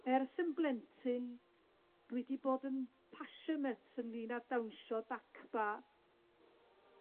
Ers yn blentyn, dwi 'di bod yn passionate ynglyn â dawnsio dabka.